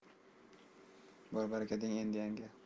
bor baraka deng endi yanga